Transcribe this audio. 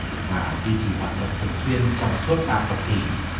và duy trì hoạt động thường xuyên trong suốt ba thập kỷ